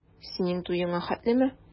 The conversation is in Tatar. Синең туеңа хәтлеме?